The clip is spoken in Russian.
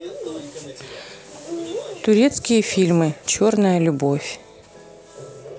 турецкие фильмы черная любовь